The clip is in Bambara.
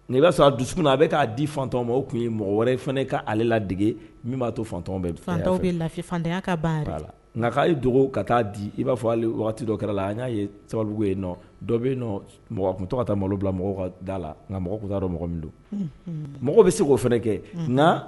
Nka i b'a sɔrɔ a dusu min a bɛ k'a di fatɔ ma o tun ye mɔgɔ wɛrɛ fana ka ale ladege min b'a totɔn bɛ lafitan la nkaale dugawu ka taa di i b'a fɔ dɔ kɛra la an n'a ye sabali ye dɔ bɛ mɔgɔ tɔgɔ ka taa malo bila mɔgɔ ka da la nka mɔgɔ dɔn mɔgɔ min don mɔgɔ bɛ se k'o fana kɛ